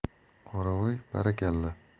qoravoy barakalla